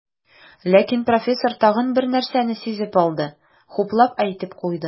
Ләкин профессор тагын бер нәрсәне сизеп алды, хуплап әйтеп куйды.